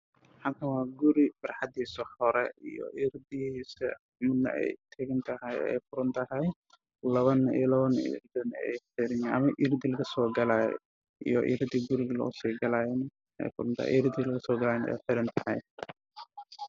Halkan waxaa ku yaal guri bilaa ah oo albaabadiisa furay yihiin waxa uu leeyahay daaqado